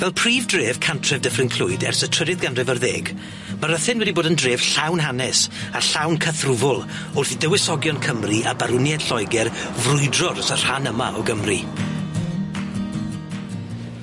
Fel prif dref Cantref Dyffryn Clwyd ers y trydydd ganrif ar ddeg ma' Rhythun wedi bod yn dref llawn hanes a llawn cythrwfwl wrth i dywysogion Cymru a Barwniaid Lloegr frwydro dros y rhan yma o Gymru.